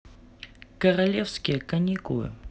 королевские каникулы